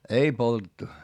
ei poltettu